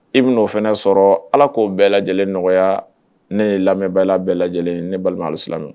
I ben'o fɛnɛ sɔrɔɔ Ala k'o bɛɛ lajɛlen nɔgɔya ne ye lamɛbɛla bɛɛ lajɛlen ye ne balima alisilamɛw